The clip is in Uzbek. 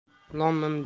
lom mim demasdi